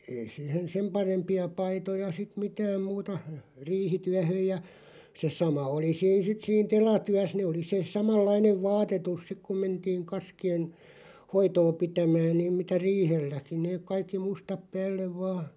ei siihen sen parempia paitoja sitten mitään muuta riihityöhön ja se sama oli siinä sitten siinä telatyössä ne oli se samanlainen vaatetus sitten kun mentiin kaskien hoitoa pitämään niin mitä riihelläkin ne kaikki mustat päälle vain